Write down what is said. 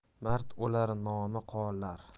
mard o'lar nomi qolar